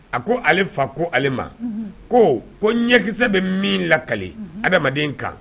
A ko ale fa ko ale ma ko ko ɲɛkisɛ bɛ min lakale adamaden kan